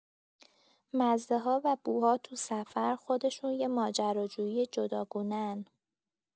مزه‌ها و بوها تو سفر، خودشون یه ماجراجویی جداگونه‌ان.